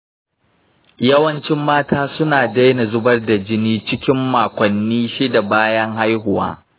yawancin mata suna daina zubar da jini cikin makonni shida bayan haihuwa.